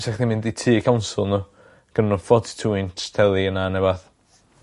se chdi'n mynd i tŷ council n'w gynnon n'w forty two inch tele yna ne' wbath